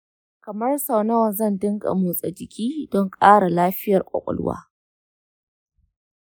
kamar sau nawa zan dinga motsa jiki don ƙara lafiyar ƙwaƙwalwa?